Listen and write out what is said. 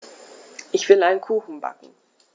Ich will einen Kuchen backen.